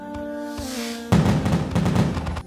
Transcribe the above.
Sanunɛ yo